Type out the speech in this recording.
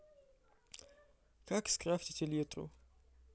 как скрафтить элитру